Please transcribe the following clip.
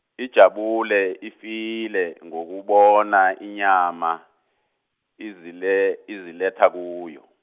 ijabule ifile ngokubona inyama, izile iziletha kuyo.